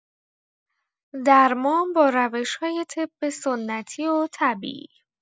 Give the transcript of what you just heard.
درمان با روش‌های طب‌سنتی و طبیعی